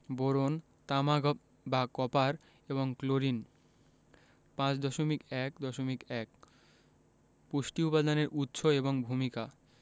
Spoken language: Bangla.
বোরন তামা বা কপার এবং ক্লোরিন ৫.১.১ পুষ্টি উপাদানের উৎস এবং ভূমিকা